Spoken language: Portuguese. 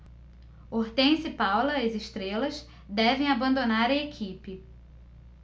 hortência e paula as estrelas devem abandonar a equipe